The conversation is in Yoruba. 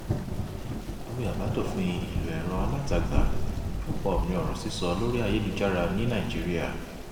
Ìwé àbádòfin ìlò ẹ̀rọ alátagbà yóò pa òmìnira ọ̀rọ̀ sísọ lórí ayélujára ní Nàìjíríà